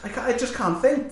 I ca- I just can't think.